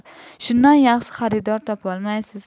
shundan yaxshi xaridor topolmaysiz